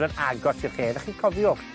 yn agos i'r lle. Felly cofiwch,